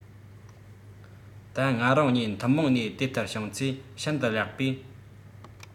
ད ང རང གཉིས ཐུན མོང ནས དེ ལྟར བྱུང ཚེ ཤིན ཏུ ལེགས པས